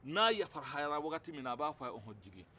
n'a yafarahayara waati min na a b'a f'a ye ɔnhɔ jigin